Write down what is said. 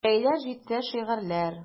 Җәйләр җитсә: шигырьләр.